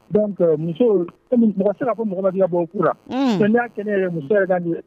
Donc muso, comme mɔgɔ tɛ se ka muso gɛn ka bɔ n ka furu la, unhun, sinon n'i y'a kɛ ne yɛrɛ ye muso yɛrɛ